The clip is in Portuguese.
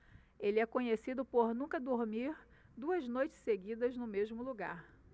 ele é conhecido por nunca dormir duas noites seguidas no mesmo lugar